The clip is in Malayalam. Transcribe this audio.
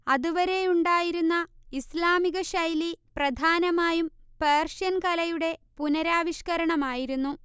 അതുവരെയുണ്ടായിരുന്ന ഇസ്ലാമികശൈലി പ്രധാനമായും പേർഷ്യൻ കലയുടെ പുനരാവിഷ്കരണമായിരുന്നു